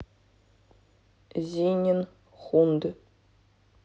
зинин хунд